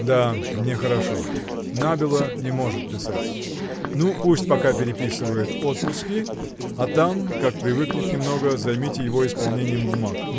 – Да, нехорошо: набело не может писать. Ну пусть пока переписывает отпуски а там как привыкнет немного займите его исполнением бумаг